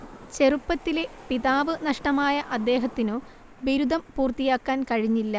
ചെറുപ്പത്തിലേ പിതാവ് നഷ്ടമായ അദ്ദേഹത്തിനു ബിരുദം പൂർത്തിയാക്കാൻ കഴിഞ്ഞില്ല